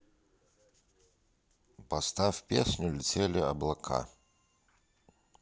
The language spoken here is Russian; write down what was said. поставь песню летели облака